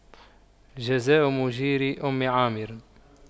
جزاء مُجيرِ أُمِّ عامِرٍ